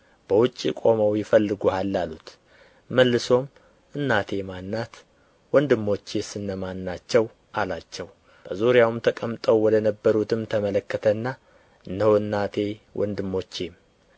በውጭ ቆመው ይፈልጉሃል አሉት መልሶም እናቴ ማን ናት ወንድሞቼስ እነ ማን ናቸው አላቸው በዙሪያው ተቀምጠው ወደ ነበሩትም ተመለከተና እነሆ እናቴ ወንድሞቼም